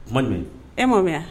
Tuma e ma mɛn